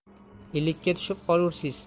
ilikka tushib qolursiz